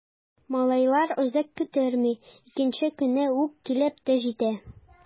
Малайлар озак көттерми— икенче көнне үк килеп тә җитә.